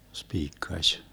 spiikkasi